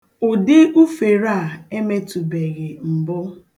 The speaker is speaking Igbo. Ụdị ufere a emetụbeghị mbụ.